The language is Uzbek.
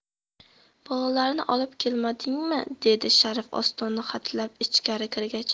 bolalarni olib kelmadingmi dedi sharif ostona hatlab ichkari kirgach